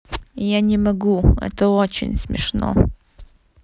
я не могу это очень смешно